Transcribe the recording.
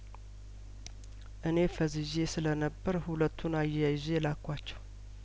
እኔ ፈዝዤ ስለነበር ሁለቱን አያይዤ ለኳቸው